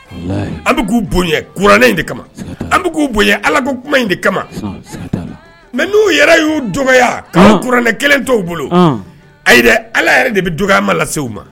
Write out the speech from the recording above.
An bɛ k'u bonya kuranɛ de kama, an bɛ k'u bonya allah ko in de kama mais n'u yɛrɛ y'u yɛrɛ dɔgɔya ka kuranɛ kelen in to i bolo a ye allah yɛrɛ de bɛ dɔgɔyama lase u ma